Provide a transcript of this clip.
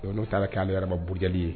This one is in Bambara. N'o taara k'alerabaurudli ye